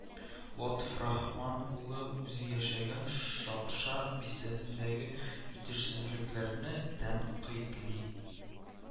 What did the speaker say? Лотфрахман улы үзе яшәгән Шакша бистәсендәге итешсезлекләрне тәнкыйтьли